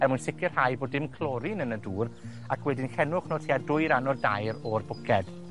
er mwyn sicirhau bo' dim clorin yn y dŵr, ac wedyn llennwch nw tua dwy ran o dair, o'r bwced.